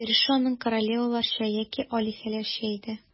Йөреше аның королеваларча яки алиһәләрчә иде.